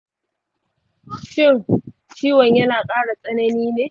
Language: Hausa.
shin ciwon yana ƙara tsanani ne?